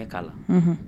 unhun